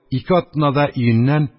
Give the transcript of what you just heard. Ике атнада өеннән,